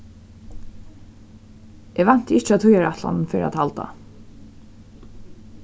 eg vænti ikki at tíðarætlanin fer at halda